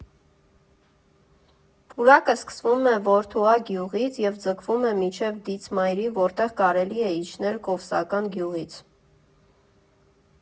Պուրակը սկսվում է Վորդուակ գյուղից և ձգվում է մինչև Դիցմայրի, որտեղ կարելի է իջնել Կովսական գյուղից։